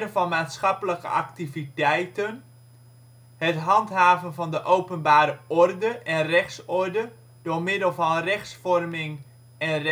van maatschappelijke activiteiten. Het handhaven van de openbare orde en rechtsorde door middel van rechtsvorming en rechtshandhaving